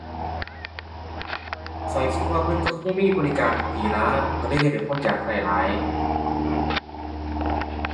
ข้อยคิดว่าเพิ่นก็คงมีบริการที่ดีล่ะ ก็เลยเฮ็ดให้คนอยากก็หลาย